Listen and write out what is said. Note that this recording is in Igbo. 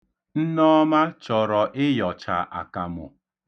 Nneọma chọrọ ịyọcha akamụ.